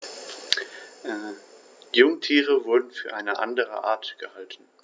Jungtiere wurden für eine andere Art gehalten.